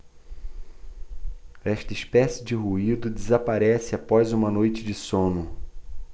esta espécie de ruído desaparece após uma noite de sono